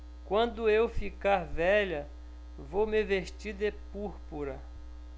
quando eu ficar velha vou me vestir de púrpura